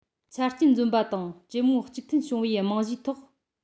ཆ རྐྱེན འཛོམས པ དང གྲོས མོལ གཅིག མཐུན བྱུང བའི རྨང གཞིའི ཐོག